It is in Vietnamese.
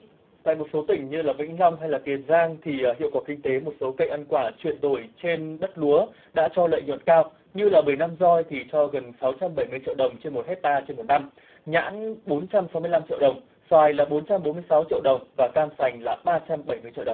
tại một số tỉnh như là vĩnh long hay là tiền giang thì hiệu quả kinh tế một số cây ăn quả chuyển đổi trên đất lúa đã cho lợi nhuận cao như là bưởi năm roi thì cho gần sáu trăm bảy mươi triệu đồng trên một héc ta trên một năm nhãn bốn trăm sáu mươi lăm triệu đồng xoài là bốn trăm bốn mươi sáu triệu đồng và cam sành là ba trăm bảy mươi triệu đồng